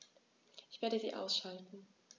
Ich werde sie ausschalten